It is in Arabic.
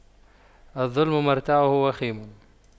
الظلم مرتعه وخيم